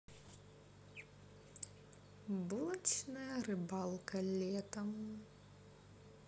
булочная рыбалка летом